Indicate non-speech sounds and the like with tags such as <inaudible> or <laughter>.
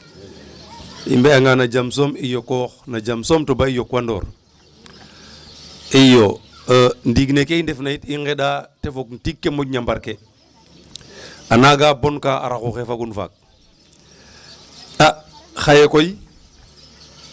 I mbe'anga no jam soom i yokoox no jam soom to ba i yokwandoor iyo <hesitation> nding nene i ndefna yit i nqeɗa ta fog no tiig ke moƴna barke a nanga bonka a rax oxe fagun faak .